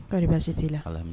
' baasi si' la kala minɛ